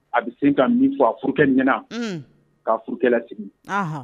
A bɛ se ka min fɔ a furakɛ ɲɛna ka furu sigi